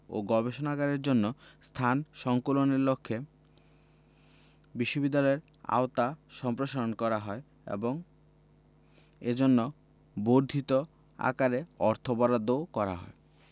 ও গবেষণাগারের জন্য স্থান সংকুলানের লক্ষ্যে বিশ্ববিদ্যালয়ের আওতা সম্প্রসারণ করা হয় এবং এজন্য বর্ধিত আকারে অর্থ বরাদ্দও করা হয়